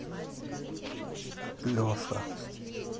леша